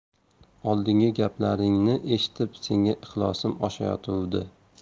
oldingi gaplaringni eshitib senga ixlosim oshayotuvdi